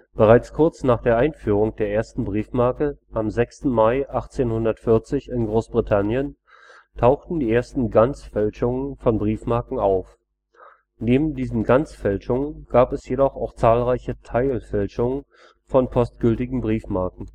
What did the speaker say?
Bereits kurz nach der Einführung der ersten Briefmarke am 6. Mai 1840 in Großbritannien tauchten die ersten Ganzfälschungen von Briefmarken auf. Neben diesen Ganzfälschungen gab es jedoch auch zahlreiche Teilfälschungen von postgültigen Briefmarken